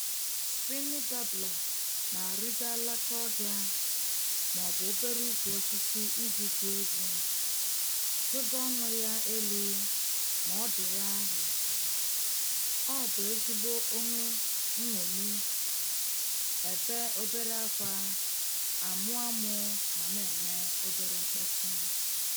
Spiny Babbler na-arịgo alaka ọhịa ma ọ bụ obere ukwu osisi iji gụọ egwu, tụga ọnụ ya elu ma ọdụ ya n'ala. Ọ bụ ezigbo ome nṅomi, ebe obere ákwá, amụ amụ ma na-eme obere mkpọtụ.